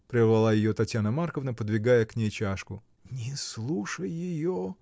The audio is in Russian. — прервала ее Татьяна Марковна, подвигая к ней чашку. — Не слушай ее!